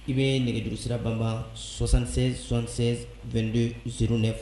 I bɛ nɛgɛjuru sirabanban sɔ27- son22do ze